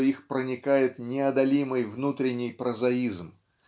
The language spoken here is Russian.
что их проникает неодолимый внутренний прозаизм.